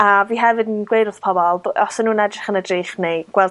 A fi hefyd yn gweud wrth pobol bo' os 'yn nw'n edrych yn y drych neu gweld